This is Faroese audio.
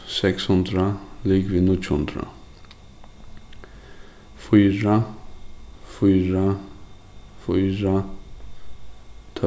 seks hundrað ligvið níggju hundrað fýra fýra fýra